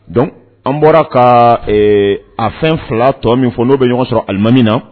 Donc an bɔra ka a fɛn 2 tɔ min fɔ n'o bɛ ɲɔgɔn sɔrɔ alimami na